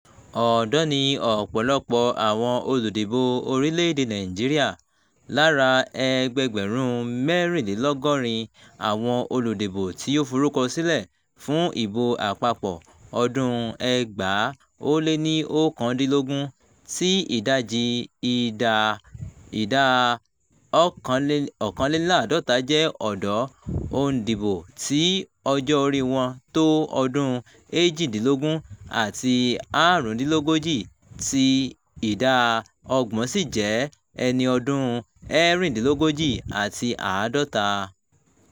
Ọ̀dọ́ ni ọ̀pọ̀lọpọ̀ àwọn olùdìbò orílẹ̀-èdèe Nàìjíríà. Lára ẹgbẹẹgbẹ̀rún 84 àwọn olùdìbò tí ó forúkọsílẹ̀ fún Ìbò Àpapọ̀ ọdún-un 2019, tí ìdajì — ìdá 51 — jẹ́ ọ̀dọ́ òǹdìbò tí ọjọ́ oríi wọ́n tó ọdún 18 àti 35, tí ìdá 30 sì jẹ́ ẹni ọdún 36 àti 50.